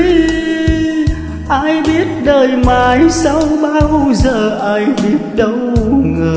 ai biết đời mai sau bao giờ ai biết đâu ngờ